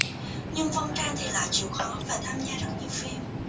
nhưng vân trang thì lại chịu khó và tham gia rất nhiều phim